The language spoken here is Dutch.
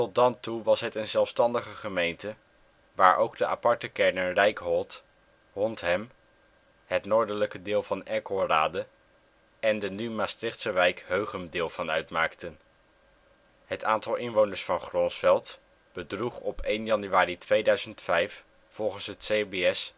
dan toe was het een zelfstandige gemeente, waar ook de Aparte kernen Rijckholt, Honthem, het noordelijke deel van Eckelrade, en de nu Maastrichtse wijk Heugem deel van uitmaakten. Het aantal inwoners van Gronsveld bedroeg op 1 januari 2005 (volgens het CBS) 2490. In